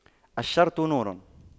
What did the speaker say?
الشرط نور